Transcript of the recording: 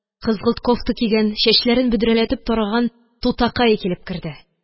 Кызгылт кофта кигән, чәчләрен бөдрәләтеп тараган тутакай килеп керде